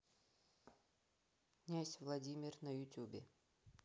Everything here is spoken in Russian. князь владимир на ютубе